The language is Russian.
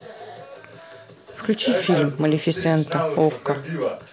включи фильм малефисента окко